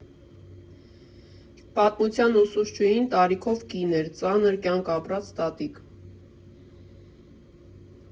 Պատմության ուսուցչուհին տարիքով կին էր, ծանր կյանք ապրած տատիկ։